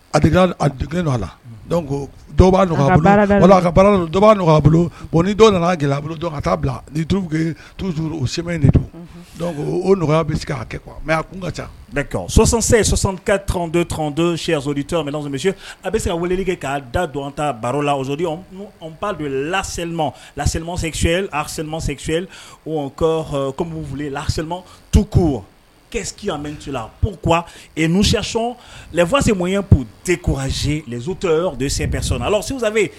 A a la dɔw dɔw bolo bon dɔw nana gɛlɛya bolo ka taa bilauru sɛ de don o nɔgɔya bɛ se k' kɛ kuwa mɛ ka ca sɔsɔ sɔsankɛ tɔntɔn tɔntɔn sisɔdi a bɛ se ka wele kɛ k'a da dɔn ta baro la osɔdi la las amase kɔmi las tu kokimɛ layati fasi munye'u tɛ ko z de sɛbɛn sɔ sanfɛ